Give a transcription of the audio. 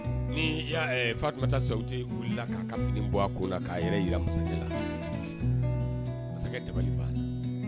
Ni y fa tun bɛ taa seti wulila'a ka fini bɔ ko la k'a yɛrɛ jira masakɛ la masakɛ dabali banna